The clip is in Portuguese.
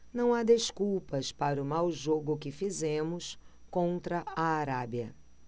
não há desculpas para o mau jogo que fizemos contra a arábia